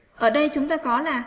ở đây chúng ta có nè